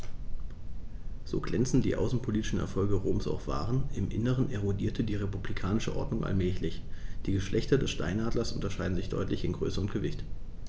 So glänzend die außenpolitischen Erfolge Roms auch waren: Im Inneren erodierte die republikanische Ordnung allmählich. Die Geschlechter des Steinadlers unterscheiden sich deutlich in Größe und Gewicht.